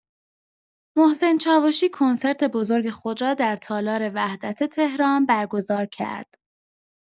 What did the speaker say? محسن چاوشی کنسرت بزرگ خود را در تالار وحدت تهران برگزار کرد.